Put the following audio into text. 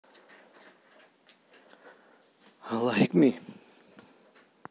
а лайк ми